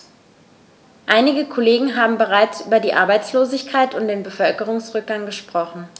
Einige Kollegen haben bereits über die Arbeitslosigkeit und den Bevölkerungsrückgang gesprochen.